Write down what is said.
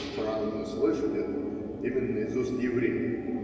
– Странно слышать это именно из уст еврея.